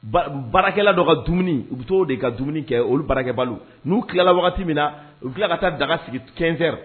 Baarakɛla dɔ ka dumuni u bɛ taa o de ka dumuni kɛ olu barakɛ n'u tilala wagati min na u tila ka taa daga sigi kɛfɛ